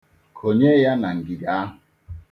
Konye ya na ngige ahụ.